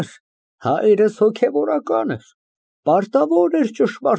ԲԱԳՐԱՏ ֊ Քույր, ինձ թվում է, որ քո ուղեղը սկսում է խանգարվել։ Տխմար սիրո զգացումը հարբեցրել է քեզ։